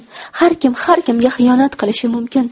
har kim har kimga xiyonat qilishi mumkin